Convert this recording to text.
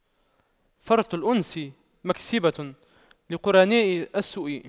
فرط الأنس مكسبة لقرناء السوء